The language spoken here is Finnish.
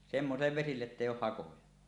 semmoisille vesille että ei ole hakoja